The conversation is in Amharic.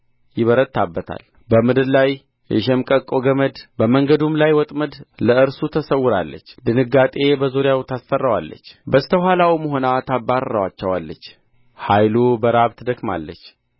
ይበረታበታል በምድር ላይ የሸምቀቆ ገመድ በመንገዱም ላይ ወጥመድ ለእርሱ ተሰውራለች ድንጋጤ በዙሪያው ታስፈራዋለች በስተ ኋላውም ሆና ታባርራቸዋለች ኃይሉ በራብ ትደክማለች